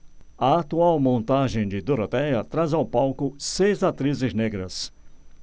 a atual montagem de dorotéia traz ao palco seis atrizes negras